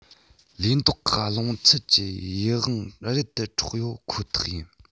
ལི མདོག གི རླུང འཚུབ ཀྱིས ཡིད དབང རབ ཏུ འཕྲོག ཡོད ཁོ ཐག ཡིན